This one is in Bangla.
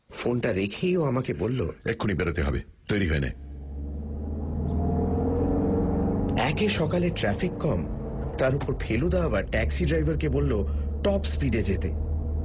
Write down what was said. ফোনটা রেখেই ও আমাকে বলল এক্ষুনি বেরোতে হবে তৈরি হয়ে নে একে সকালে ট্রাফিক কম তার উপর ফেলুদা আবার ট্যাক্সির ড্রাইভারকে বলল টপ ম্পিডে যেতে